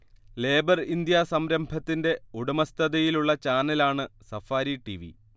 labour India സംരംഭത്തിന്റെ ഉടമസ്ഥതയിലുള്ള ചാനലാണ് സഫാരി ടിവി